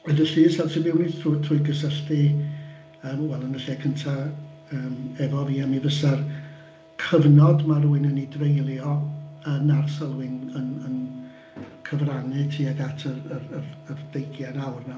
Yn y Llys a'r Triwbiwnlys drwy drwy gysylltu yym wel, yn y lle cynta yym efo fi a mi fysa'r cyfnod ma' rywun yn ei dreulio yn arsylwi yn yn yn cyfrannu tuag at yr yr yr deugain awr 'na.